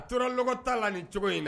A tora dɔgɔ t'a la ni cogo in na